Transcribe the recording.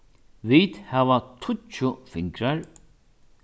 vit hava tíggju fingrar